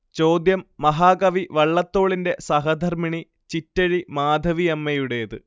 ചോദ്യം മഹാകവി വള്ളത്തോളിന്റെ സഹധർമ്മിണി ചിറ്റഴി മാധവിയമ്മയുടേത്